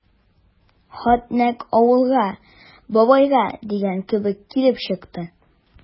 Хат нәкъ «Авылга, бабайга» дигән кебек килеп чыкты.